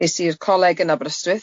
...es i'r coleg yn Aberystwyth.